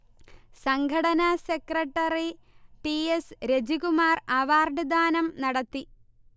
സംഘടനാ secretary T. S. Rajikumar അവാർഡ്ദാനം നടത്തി